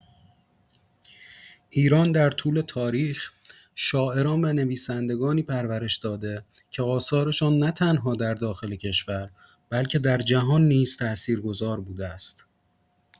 ایران در طول تاریخ، شاعران و نویسندگانی پرورش داده که آثارشان نه‌تنها در داخل کشور، بلکه در جهان نیز تأثیرگذار بوده است.